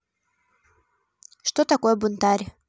что такое бунтарь